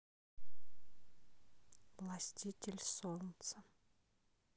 властитель солнца